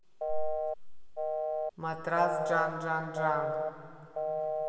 матрас джан джан джан